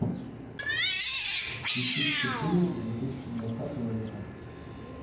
включить хиты две тысячи двадцатого лета